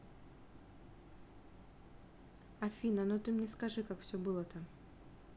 афина но ты мне скажи как все было то